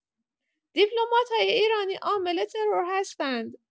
دیپلمات‌های ایرانی عامل ترور هستند.